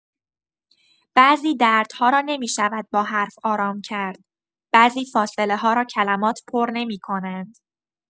بعضی دردها را نمی‌شود با حرف آرام کرد، بعضی فاصله‌ها را کلمات پر نمی‌کنند.